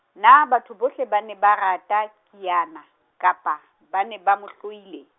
na batho bohle ba ne ba rata Kiana, kapa, ba ne ba mo hloile?